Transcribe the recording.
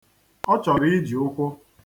Ọ chọrọ iji ụkwụ.